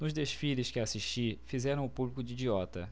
nos desfiles que assisti fizeram o público de idiota